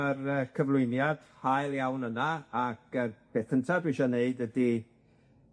###yr yy cyflwyniad hael iawn yna ac y beth cynta dwi isio neud ydi